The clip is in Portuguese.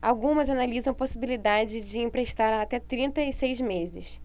algumas analisam a possibilidade de emprestar até trinta e seis meses